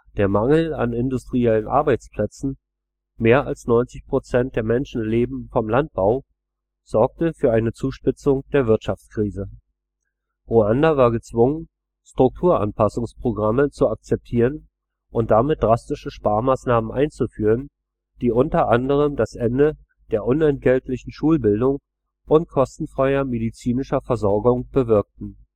Der Mangel an industriellen Arbeitsplätzen – mehr als 90 Prozent der Menschen lebten von Landbau – sorgte für eine Zuspitzung der Wirtschaftskrise. Ruanda war gezwungen, Strukturanpassungsprogramme zu akzeptieren und damit drastische Sparmaßnahmen einzuführen, die unter anderem das Ende der unentgeltlichen Schulbildung und kostenfreier medizinischer Versorgung bewirkten